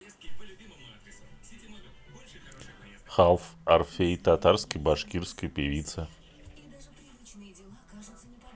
half орфей татарской башкирской певица